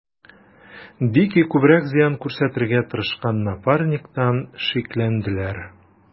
Дикий күбрәк зыян күрсәтергә тырышкан Напарниктан шикләнделәр.